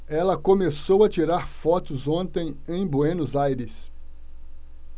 ela começou a tirar fotos ontem em buenos aires